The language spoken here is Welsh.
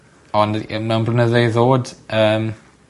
On' yy mewn blynydde i ddod yym